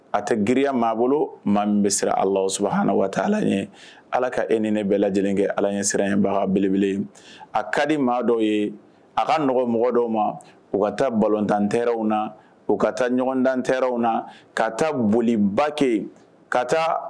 A tɛ griyaya maa bolo maa min bɛ siran alahaana waati taa ala ɲɛ ala ka e ni ne bɛɛ lajɛlen kɛ ala ɲɛ siraɲɛbaga belebele ye a ka di maa dɔ ye a kaɔgɔn mɔgɔ dɔw ma u ka taa batantɛw na u ka taa ɲɔgɔn dan tɛw na ka taa boliba kɛ ka taa